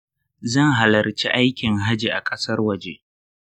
zan halarci aikin hajji a ƙasan waje.